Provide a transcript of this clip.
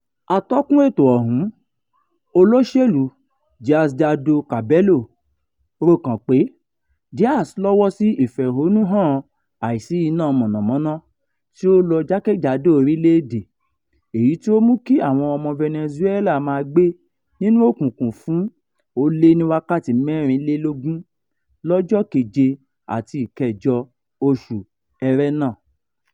Atọ́kùn ètò ọ̀hún, olóṣèlú Diosdado Cabello, rò kàn pé Díaz lọ́wọ́ sí ìfẹ̀hónú hàn àìsí ináa mọ̀nàmọ̀nà tí ò lọ jákèjádò orílẹ̀ èdè èyí tí ó mú kí àwọn ọmọ Venezuela máa gbé nínú òkùnkùn fún ó lé ní wákàtí mẹ́rin lé lógún lọ́jọ́ 7 àti 8 Oṣù Ẹrẹ́nà